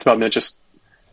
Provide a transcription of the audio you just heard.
T'mo' mae o jys...